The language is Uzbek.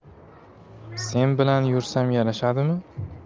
sen bilan yursam yarashadimi